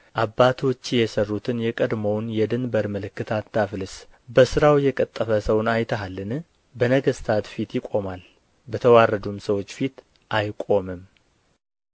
አባቶችህ የሠሩትን የቀድሞውን የድንበር ምልክት አታፍልስ በሥራው የቀጠፈ ሰውን አይተሃልን በነገሥታት ፊት ይቆማል በተዋረዱም ሰዎች ፊት አይቆምም